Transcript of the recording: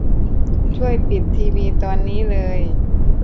ช่วยปิดทีวีตอนนี้เลย